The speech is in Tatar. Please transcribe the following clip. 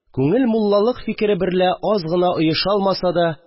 Күңел муллалык фикере берлә аз гына оеша алмаса да